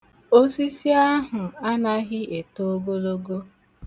Osisi ahụ anaghị eto ogologo.